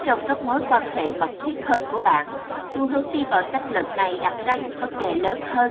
chính trong các mối quan hệ mật thiết hơn của bạn xu hướng đi vào tranh luận này đặt ra những vấn đề lớn hơn